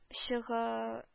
Чыгыы